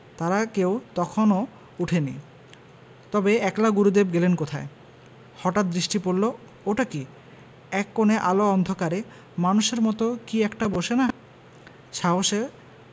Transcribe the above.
তারা কেউ তখনও ওঠেনি তবে একলা গুরুদেব গেলেন কোথায় হঠাৎ দৃষ্টি পড়ল ওটা কি এক কোণে আলো অন্ধকারে মানুষের মত কি একটা বসে না সাহসে